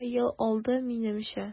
Яңа ел алды, минемчә.